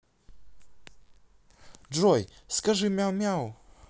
джой скажи мяу мяу